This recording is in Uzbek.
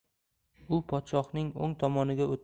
u podshohning o'ng tomoniga